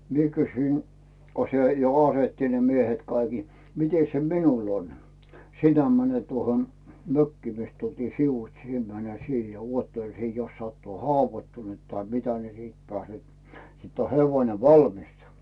minä kysyin kun se jo asetti ne miehet kaikki mitenkäs se minulla on sinä menet tuohon mökkiin mistä tultiin sivuitse sinä menet siihen ja odottele siinä jos sattuu haavoittunut tai mitä siitä pääset sitten on hevonen valmiina